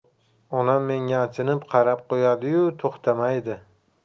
onam menga achinib qarab qo'yadi yu to'xtamaydi